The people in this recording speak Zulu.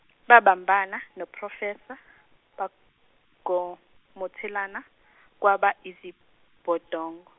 babambana no- Professor, bagomothelana, kwaba yizibhodongo.